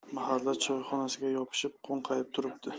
mahalla choyxonasiga yopishib qo'nqayib turibdi